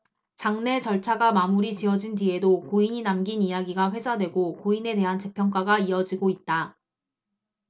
장례 절차가 마무리지어진 뒤에도 고인이 남긴 이야기가 회자되고 고인에 대한 재평가가 이어지고 있다